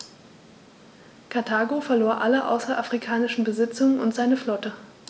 Karthago verlor alle außerafrikanischen Besitzungen und seine Flotte.